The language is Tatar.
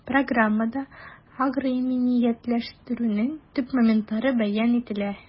Программада агроиминиятләштерүнең төп моментлары бәян ителә.